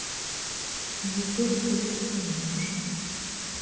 егор крид и нюша